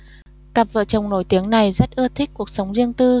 cặp vợ chồng nổi tiếng này rất ưa thích cuộc sống riêng tư